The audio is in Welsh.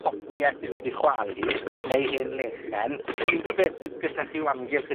potie sydd wedi chwalu, neu hen lechen, unrhyw beth sydd gyda chi o amgylch y